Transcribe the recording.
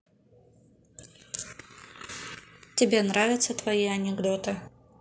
тебе нравятся твои анекдоты